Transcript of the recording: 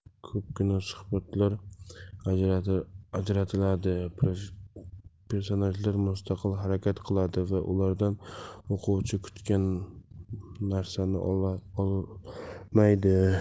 ko'pgina suhbatlar ajablantiradi personajlar mustaqil harakat qiladi va ulardan o'quvchi kutgan narsani olmaydi